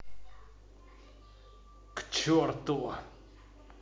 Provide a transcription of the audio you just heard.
к черту